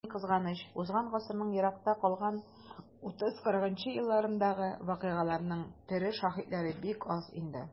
Ни кызганыч, узган гасырның еракта калган 30-40 нчы елларындагы вакыйгаларның тере шаһитлары бик аз инде.